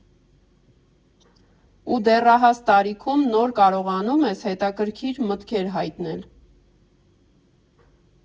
Ու «դեռահաս տարիքում» նոր կարողանում ես հետաքրքիր մտքեր հայտնել։